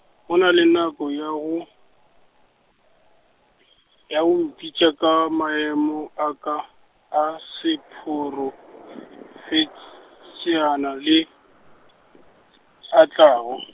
go na le nako ya go, ya go mpitša ka maemo a ka, a seporofetš- -šene le , a tlago.